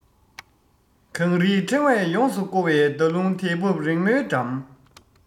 གངས རིའི འཕྲེང བས ཡོངས སུ བསྐོར བའི ཟླ ཀླུང དལ འབབ རིང མོས འགྲམ